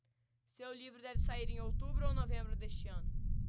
seu livro deve sair em outubro ou novembro deste ano